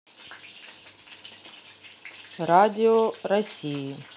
радио россии